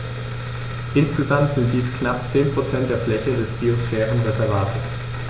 Insgesamt sind dies knapp 10 % der Fläche des Biosphärenreservates.